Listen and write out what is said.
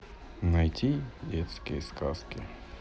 найти детские сказки